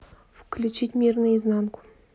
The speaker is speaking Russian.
включить мир наизнанку